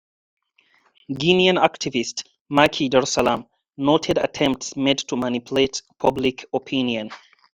Guinean activist Macky Darsalam noted attempts made to manipulate public opinion: